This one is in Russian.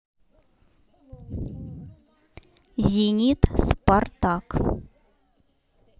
зенит спартак